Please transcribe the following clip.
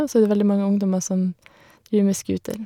Og så er det veldig mange ungdommer som driver med skuter.